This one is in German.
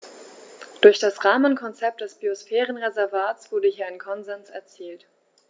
Durch das Rahmenkonzept des Biosphärenreservates wurde hier ein Konsens erzielt.